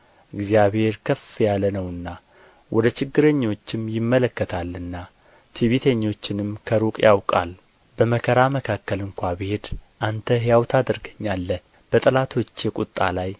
እግዚአብሔር ከፍ ያለ ነውና ወደ ችግረኞችም ይመለከታልና ትዕቢተኞችንም ከሩቅ ያውቃል በመከራ መካከል እንኳ ብሄድ አንተ ሕያው ታደርገኛለህ በጠላቶቼ ቍጣ ላይ